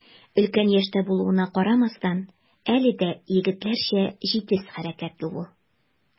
Өлкән яшьтә булуына карамастан, әле дә егетләрчә җитез хәрәкәтле ул.